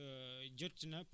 Aquatabsyi waaw